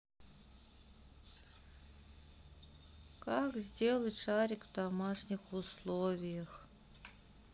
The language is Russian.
как сделать шарик в домашних условиях